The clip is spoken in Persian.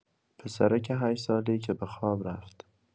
پسرک هشت‌ساله‌ای که به خواب رفت.